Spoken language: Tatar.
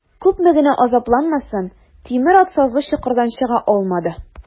Күпме генә азапланмасын, тимер ат сазлы чокырдан чыга алмады.